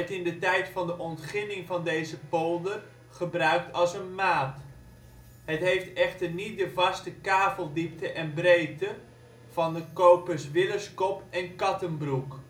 in de tijd van de ontginning van deze polder gebruikt als een maat. Het heeft echter niet de vaste kaveldiepte en - breedte van de copes Willeskop en Cattenbroek